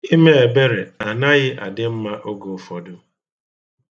Ime ebere anaghị adị mma oge ụfọdụ.